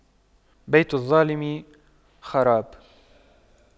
بيت الظالم خراب